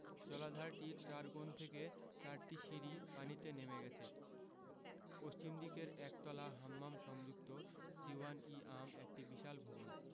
জলাধারটির চার কোণ থেকে চারটি সিঁড়ি পানিতে নেমে গেছে পশ্চিমদিকের একতলা হাম্মাম সংযুক্ত দীউয়ান ই আম একটি বিশাল ভবন